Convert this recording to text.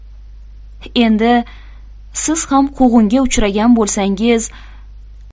endi siz ham quvg'inga uchragan bo'lsangiz